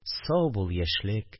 Сау бул, яшьлек